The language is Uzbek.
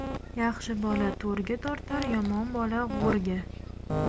yaxshi bola to'rga tortar yomon bola go'rga